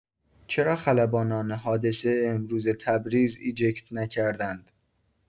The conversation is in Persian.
چرا خلبانان حادثه امروز تبریز ایجکت نکردند؟